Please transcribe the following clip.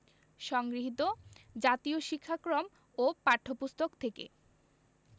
সংগৃহীত জাতীয় শিক্ষাক্রম ও পাঠ্যপুস্তক থেকে